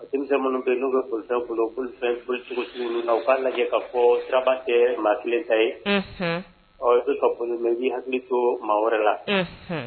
Denmisɛn denmisɛnw minnu bɛ'u bɛolifɛnoli cogosi na u b'a lajɛ k'a fɔ taraweleraba tɛ maa kelen ta ye ɔ bɛ ka pmɛji hakili to maa wɛrɛ la